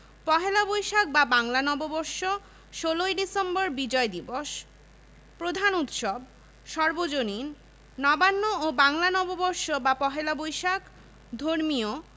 ঢাকা বিশ্ববিদ্যালয় ঢাকা বিশ্ববিদ্যালয় বাংলাদেশের প্রাচীনতম সর্ববৃহৎ এবং উপমহাদেশের অন্যতম প্রাচীন ঐতিহ্যবাহী উচ্চশিক্ষা ও গবেষণা প্রতিষ্ঠান